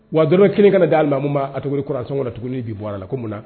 Wad kelen kana da' lamuba atugu kɔrɔsɔn ka tuguniin b bi bɔ a la ko munna na